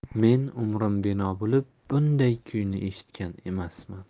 men umrim bino bo'lib bunday kuyni eshitgan emasman